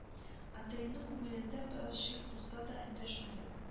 Андрейның күңелендә бераз шик булса да эндәшмәде